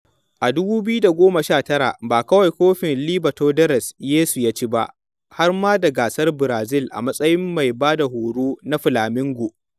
A 2019, ba kawai Kofin Libertadores Yesu ya ci ba, har ma da Gasar Brazil a matsayin mai ba da horo na Flamengo.